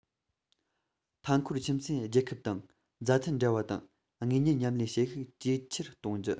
མཐའ འཁོར ཁྱིམ མཚེས རྒྱལ ཁབ དང མཛའ མཐུན འབྲེལ བ དང དངོས གཉེར མཉམ ལས བྱེད ཤུགས ཇེ ཆེར གཏོང རྒྱུ